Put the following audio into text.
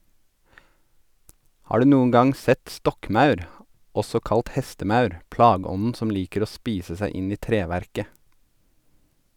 Har du noen gang sett stokkmaur , også kalt hestemaur, plageånden som liker å spise seg inn i treverket?